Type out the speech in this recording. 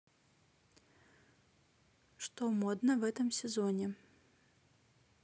что модно в этом сезоне